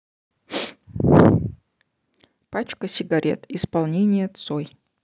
пачка сигарет исполнение цой